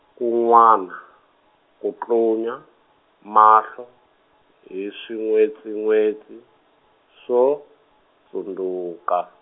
kun'wana, ku, tlunya, mahlo, hi, swin'wetsin'wetsi, swo, tsundzuka.